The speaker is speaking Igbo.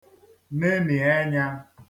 nenị̀ ẹnyā